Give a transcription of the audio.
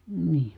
niin